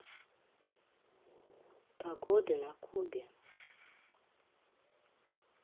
погода на кубе